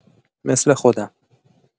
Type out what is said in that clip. مثل خودم